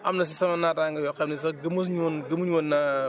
am na si sama naataangoo yoo xam ne sax mosuñu woon gëmuñu woon